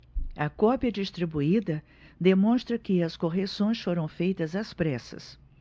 a cópia distribuída demonstra que as correções foram feitas às pressas